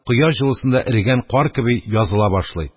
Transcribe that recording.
Кояш җылысында эрегән кар кеби языла башлый.